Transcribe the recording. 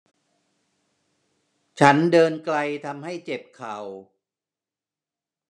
ฉันเดินไกลทำให้เจ็บเข่า